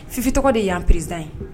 Fi fi tɔgɔ de ye yan priz ye